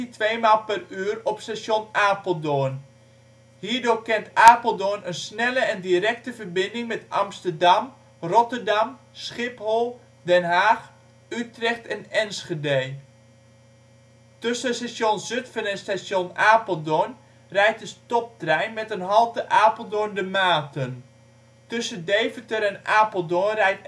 tweemaal per uur op station Apeldoorn. Hierdoor kent Apeldoorn een snelle en directe verbinding met Amsterdam, Rotterdam, Schiphol, Den Haag, Utrecht en Enschede. Tussen station Zutphen en station Apeldoorn rijdt een stoptrein met een halte Apeldoorn-de Maten. Tussen Deventer en Apeldoorn rijdt